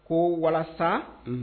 Ko walasa